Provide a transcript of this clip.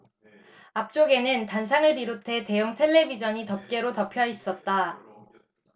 앞쪽에는 단상을 비롯해 대형 텔레비전이 덮개로 덮여있었다